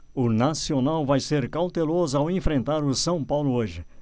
o nacional vai ser cauteloso ao enfrentar o são paulo hoje